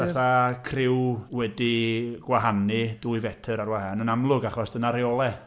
Fatha criw wedi gwahanu, dwy fetr ar wahân yn amlwg, achos dyna'r rheolau.